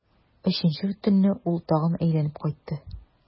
Өченче төнне ул тагын әйләнеп кайтты.